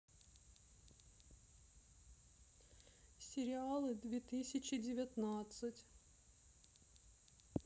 сериалы две тысячи девятнадцать